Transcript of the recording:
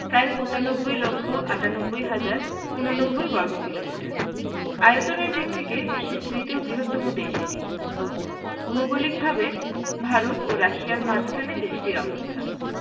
প্রায় ৯৫ লক্ষ ৯৮ হাজার ৮৯ বর্গকিলোমিটার আয়তনের দিক থেকে বিশ্বের তৃতীয় বৃহত্তম দেশ এটি ভৌগলিকভাবে ভারত ও রাশিয়ার মাঝখানে দেশটির অবস্থান